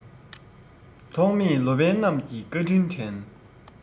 ཐོགས མེད ལོ པཎ རྣམས ཀྱི བཀའ དྲིན དྲན